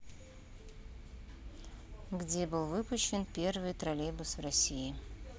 где был выпущен первый троллейбус в россии